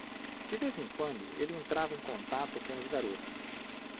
de vez em quando ele entrava em contato com os garotos